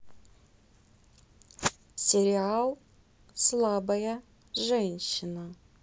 сериал слабая женщина